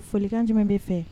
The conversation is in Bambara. Folikan jumɛn bɛ fɛ